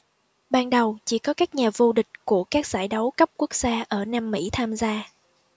ban đầu chỉ có các nhà vô địch của các giải đấu cấp quốc gia ở nam mỹ tham gia